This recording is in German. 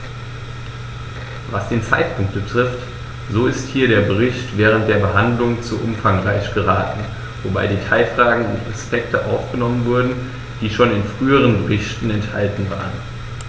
Was den Zeitpunkt betrifft, so ist hier der Bericht während der Behandlung zu umfangreich geraten, wobei Detailfragen und Aspekte aufgenommen wurden, die schon in früheren Berichten enthalten waren.